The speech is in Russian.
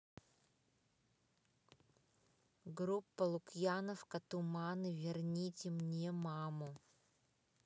группа лукьяновка туманы верните мне маму